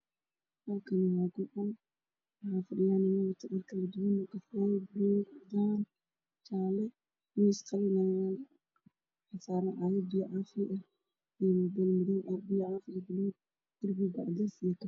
Halkaan waxaa ka muuqdo niman odayaal ah oo leen ku jiro waxayna qabaan dhar ka duwan miiska ay biyaha u saaran yihiin waa cadaan